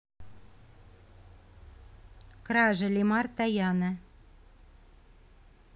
кража lemar таяна